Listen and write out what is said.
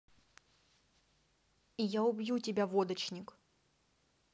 я убью тебя водочник